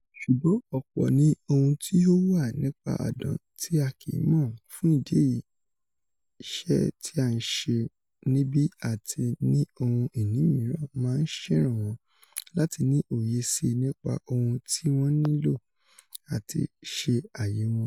Ṣùgbọ́n ọ̀pọ̀ ni ohun tí ó wà nípa àdán tí a kíì mọ̀, fún ìdí èyí ṣẹ́ tí a ń ṣe níbí àti ní ohun ìní míràn máa ṣèraánwọ́ láti ní òye síi nípa ohun t;i wọ́n nílò l’’ati ṣe ayé wọn."